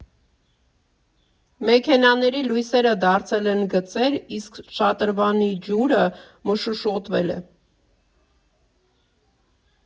Մեքենաների լույսերը դարձել են գծեր, իսկ շատրվանի ջուրը մշուշոտվել է։